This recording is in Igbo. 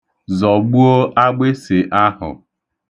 Zọgbuo agbịsị ahụ.